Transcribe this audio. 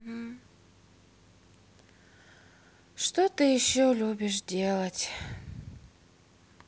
что ты еще любишь делать